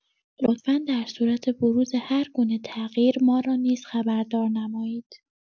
لطفا در صورت بروز هرگونه تغییر، ما را نیز خبردار نمایید.